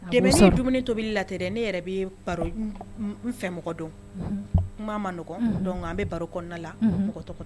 Dɛmɛni ye dumini tobili la tɛ dɛ ne yɛrɛ bɛ baro , n fɛ mɔgɔ dɔn, kuma ma nɔgɔ donc an bɛ baro kɔnɔna la, mɔgɔ tɔgɔ